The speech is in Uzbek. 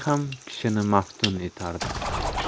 ham kishini maftun etardi